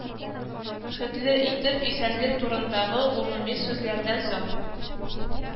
Хетле итеп, исәнлек турындагы гомуми сүзләрдән соң